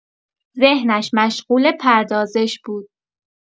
ذهنش مشغول پردازش بود